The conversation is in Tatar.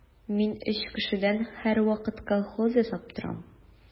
Мин өч кешедән һәрвакыт колхоз ясап торам.